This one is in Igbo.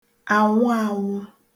ànwụ anwụ